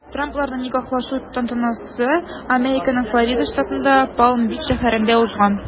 Трампларның никахлашу тантанасы Американың Флорида штатында Палм-Бич шәһәрендә узган.